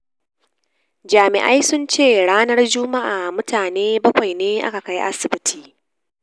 Jami'ai sun ce ranar Jumma'a mutane bakwai ne aka kai asibiti.